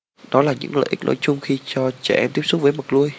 đó là những lợi ích nói chung khi cho trẻ tiếp xúc với vật nuôi